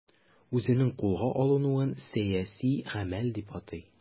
Үзенең кулга алынуын сәяси гамәл дип атый.